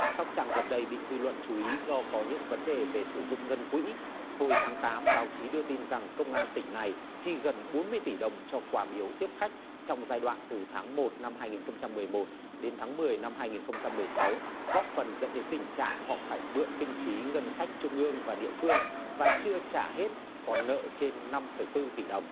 sóc trăng gần đây bị dư luận chú ý do có những vấn đề về sử dụng ngân quỹ hồi tháng tám báo chí đưa tin rằng công an tỉnh này chi gần bốn mươi tỷ đồng cho quà biếu tiếp khách trong giai đoạn từ tháng một năm hai nghìn không trăm mười một đến tháng mười năm hai nghìn không trăm mười sáu góp phần dẫn đến tình trạng họ phải mượn kinh phí ngân sách trung ương và địa phương và chưa trả hết còn nợ trên năm phẩy tư tỷ đồng